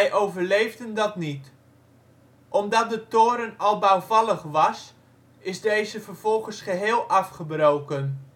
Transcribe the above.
overleefden dat niet. Omdat de toren al bouwvallig was is deze vervolgens geheel afgebroken